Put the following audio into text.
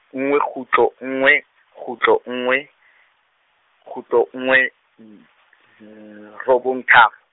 nngwe kgutlo nngwe, kgutlo nngwe, kgutlo nngwe, robong tharo.